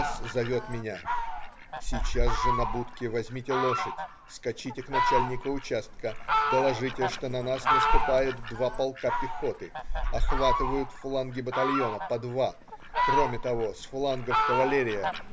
С. зовет меня: "Сейчас же на будке возьмите лошадь, скачите к начальнику участка, доложите, что на нас наступают два полка пехоты, охватывают фланги батальона по два, кроме того, с флангов кавалерия.